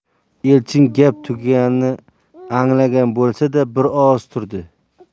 elchin gap tugaganini anglagan bo'lsa da bir oz turdi